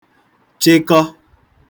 chịkọ